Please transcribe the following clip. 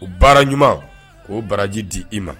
U baara ɲuman o baraji di i ma